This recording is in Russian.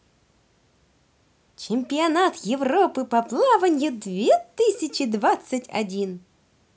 чемпионат европы по плаванию две тысячи двадцать один